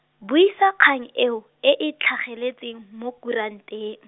buisa kgang eo, e e tlhageletseng, mo kuranteng.